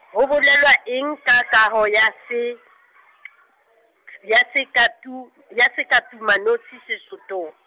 ho bolelwa eng ka kaho ya se- , ya sekatu-, ya sekatumanotshi Sesothong.